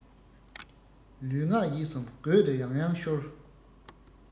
ལུས ངག ཡིད གསུམ རྒོད དུ ཡང ཡང ཤོར